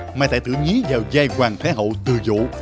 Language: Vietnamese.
mà tài tử nhí vào vai hoàng thái hậu từ vũ